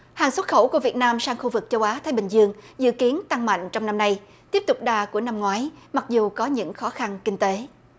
hàng xuất khẩu của việt nam sang khu vực châu á thái bình dương dự kiến tăng mạnh trong năm nay tiếp tục đà của năm ngoái mặc dù có những khó khăn kinh tế